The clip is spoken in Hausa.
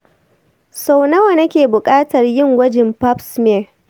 sau nawa nake bukatar yin gwajin pap smear?